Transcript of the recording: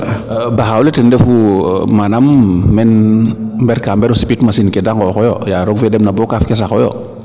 baxaaw le ten refu manaam man mberka mber o sipit machine ke de ŋoxo yo yaa roog fe deɓna bo kaaf ke saxoyo